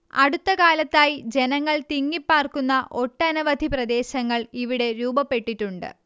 അടുത്തകാലത്തായി ജനങ്ങൾ തിങ്ങിപ്പാർക്കുന്ന ഒട്ടനവധി പ്രദേശങ്ങൾ ഇവിടെ രൂപപ്പെട്ടിട്ടുണ്ട്